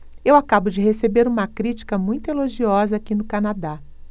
eu acabo de receber uma crítica muito elogiosa aqui no canadá